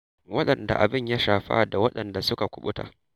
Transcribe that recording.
Waɗanda abin ya shafa da waɗanda suka kuɓuta